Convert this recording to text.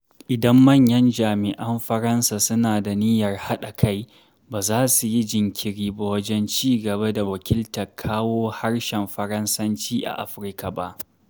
Idan manyan jami’an Faransa suna da niyyar haɗa kai, ba za su yi jinkiri ba wajen ci gaba da wakiltar kawo harshen Faransanci a Afirka ba.